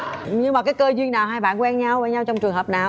nhưng mà cái cơ duyên nào hai bạn quen nhau quen nhau trong trường hợp nào